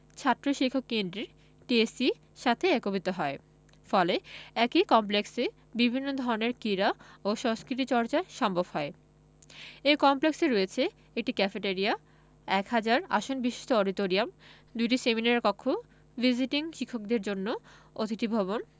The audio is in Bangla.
ছাত্র শিক্ষক কেন্দ্রের টিএসসি সাথে একভূত হয় ফলে একই কমপ্লেক্সে বিভিন্ন ধরনের কীড়া ও সংস্কৃতি চর্চা সম্ভব হয় এ কমপ্লেক্সে রয়েছে একটি ক্যাফেটরিয়া এক হাজার আসনবিশিষ্ট অডিটোরিয়াম ২টি সেমিনার কক্ষ ভিজিটিং শিক্ষকদের জন্য অতিথি ভবন